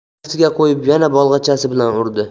uni kaftiga qo'yib yana bolg'acha bilan urdi